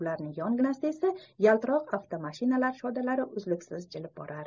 ularning yonginasida esa yaltiroq avtomashinalar shodalari uzluksiz jilib borar